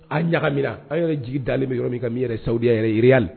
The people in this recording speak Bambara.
An ɲagamina an yɛrɛ jigi dalenlen bɛ yɔrɔ min ka mi yɛrɛ sa yɛrɛ yiririya